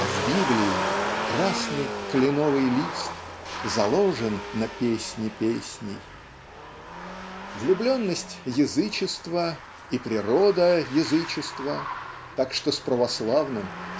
А в Библии красный кленовый лист Заложен на Песни Песней. Влюбленность язычество, и природа язычество так что с православным